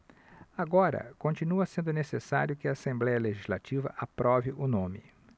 agora continua sendo necessário que a assembléia legislativa aprove o nome